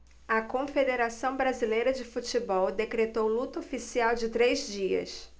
a confederação brasileira de futebol decretou luto oficial de três dias